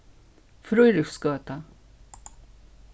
fríðriksgøta